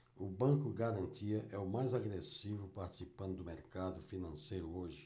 o banco garantia é o mais agressivo participante do mercado financeiro hoje